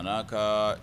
A n'a kaaa